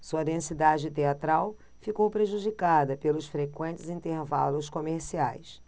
sua densidade teatral ficou prejudicada pelos frequentes intervalos comerciais